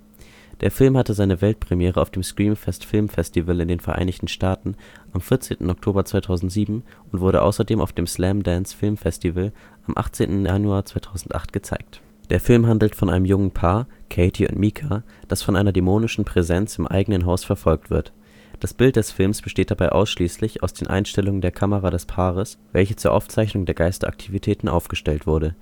Film hatte seine Weltpremiere auf dem Screamfest Film Festival in den Vereinigten Staaten am 14. Oktober 2007 und wurde außerdem auf dem Slamdance Film Festival am 18. Januar 2008 gezeigt. Der Film handelt von einem jungen Paar, Katie und Micah, das von einer dämonischen Präsenz im eigenen Haus verfolgt wird. Das Bild des Films besteht dabei ausschließlich aus den Einstellungen der Kamera des Paares, welche zur Aufzeichnung der Geisteraktivitäten aufgestellt wurde